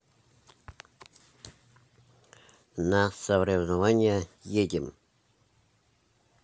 на соревнования едем